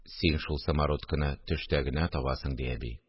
– син шул самородкыны төштә генә табасың, – ди әби